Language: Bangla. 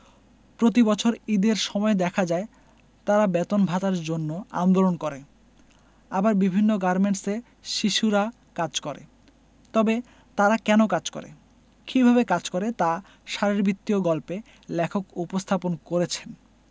প্রতিবছর ঈদের সময় দেখা যায় তারা বেতন ভাতার জন্য আন্দোলন করে আবার বিভিন্ন গার্মেন্টসে শিশুরা কাজ করে তবে তারা কেন কাজ করে কিভাবে কাজ করে তা শরীরবৃত্তীয় গল্পে লেখক উপস্থাপন করেছেন